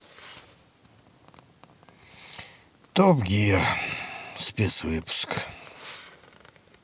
топ гир спецвыпуск